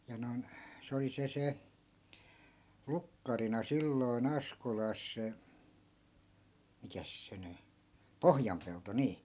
ja noin se oli se se lukkarina silloin Askolassa se mikäs se nyt Pohjanpelto niin